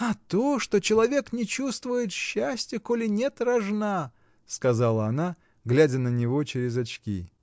— А то, что человек не чувствует счастья, коли нет рожна, — сказала она, глядя на него через очки.